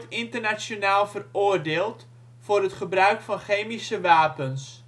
internationaal veroordeeld voor het gebruik van chemische wapens